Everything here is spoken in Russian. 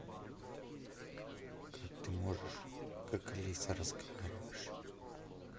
ты можешь как алиса разговариваешь